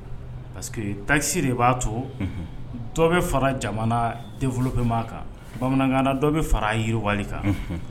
Parceque taxi de ba to dɔ bɛ fara jamana développement kan . Bamanankan na dɔ bɛ fara a yiriwa li kan.